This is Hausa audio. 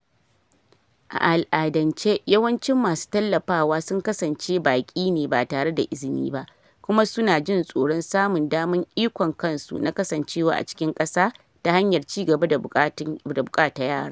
A al'adance, yawancin masu tallafawa sun kasance baƙi ne ba tare da izini ba, kuma su na jin tsoro samun daman ikon kansu na kasancewa a cikin ƙasa ta hanyar ci gaba da bukata yara.